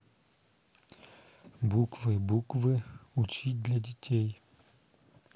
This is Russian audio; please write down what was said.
буквы буквы учить для детей